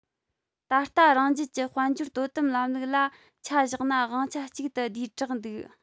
ད ལྟ རང རྒྱལ གྱི དཔལ འབྱོར དོ དམ ལམ ལུགས ལ ཆ བཞག ན དབང ཆ གཅིག ཏུ བསྡུས དྲགས འདུག